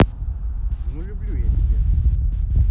ну люблю я тебя